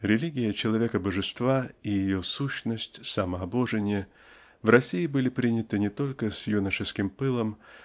Религия человекобожества и ее сущность -- самообожение в России были приняты не только с юношеским пылом